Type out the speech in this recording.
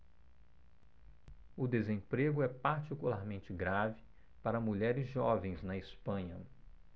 o desemprego é particularmente grave para mulheres jovens na espanha